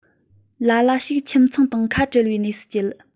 ལ ལ ཞིག ཁྱིམ ཚང དང ཁ བྲལ བའི གནས སུ སྐྱེལ